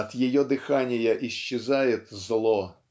От ее дыхания исчезает зло.